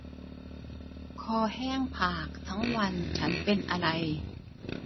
คอแห้งผากทั้งวันฉันเป็นอะไร